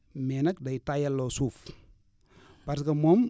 mais nag day tayalloo suuf parce que moom